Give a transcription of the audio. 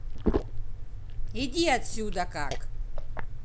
иди отсюда как